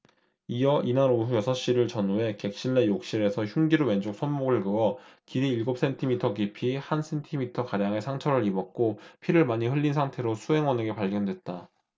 이어 이날 오후 여섯 시를 전후해 객실 내 욕실에서 흉기로 왼쪽 손목을 그어 길이 일곱 센티미터 깊이 한 센티미터가량의 상처를 입었고 피를 많이 흘린 상태로 수행원에게 발견됐다